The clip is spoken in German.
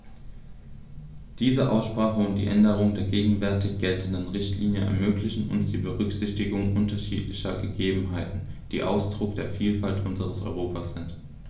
Diese Aussprache und die Änderung der gegenwärtig geltenden Richtlinie ermöglichen uns die Berücksichtigung unterschiedlicher Gegebenheiten, die Ausdruck der Vielfalt unseres Europas sind.